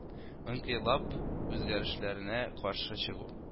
Инкыйлаб үзгәрешләренә каршы чыгу